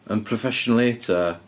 Yn professionally ta?